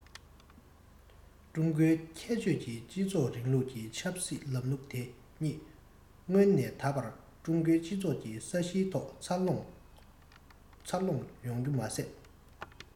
ཀྲུང གོའི ཁྱད ཆོས ཀྱི སྤྱི ཚོགས རིང ལུགས ཀྱི ཆབ སྲིད ལམ ལུགས དེ ཉིད སྔོན ནས ད བར ཀྲུང གོའི སྤྱི ཚོགས ཀྱི ས གཞིའི ཐོག འཚར ལོངས འཚར ལོངས ཡོང རྒྱུ མ ཟད